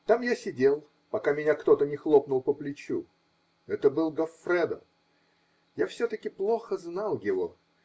Там я сидел, пока меня кто-то не хлопнул по плечу -- это был Гоффредо. Я все таки плохо знал его.